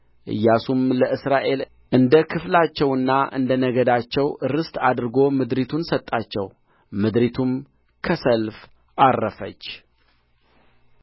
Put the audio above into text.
ኢያሱም ለእስራኤል እንደ ክፍላቸውና እንደ ነገዳቸው ርስት አድርጎ ምድሪቱን ሰጣቸው ምድሪቱም ከሰልፍ ዐረፈች